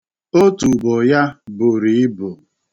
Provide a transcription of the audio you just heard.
Otubo ya buru ibu.